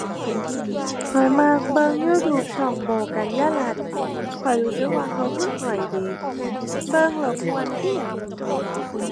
ข้อยมักเบิ่ง YouTube ช่อง Bow Kanyarat ข้อยรู้สึกว่าเขาคือข้อยดี เบิ่งแล้วม่วนคือหยังหนิ